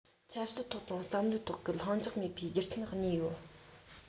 ཆབ སྲིད ཐོག དང བསམ བློའི ཐོག གི ལྷིང འཇགས མེད པའི རྒྱུ རྐྱེན གནས ཡོད